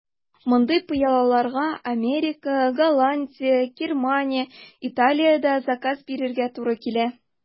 Мондый пыялаларга Америка, Голландия, Германия, Италиядә заказ бирергә туры килә.